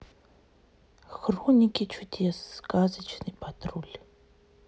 хроники чудес сказочный патруль